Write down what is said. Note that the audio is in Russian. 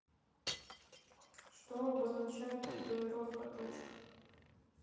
что обозначает татуировка точка